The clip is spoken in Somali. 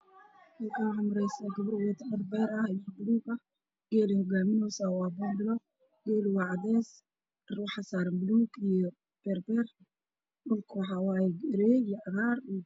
Waa sawir farshaxan waa laba neef oo geel ah oo ay wado gabar gadaal waxaa ka dambeeyo geeda cagaaran